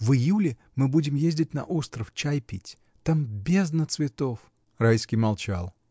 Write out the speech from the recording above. В июле мы будем ездить на остров, чай пить. Там бездна цветов. Райский молчал.